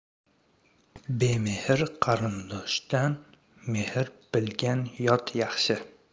bemehr qarindoshdan mehr bilgan yot yaxshi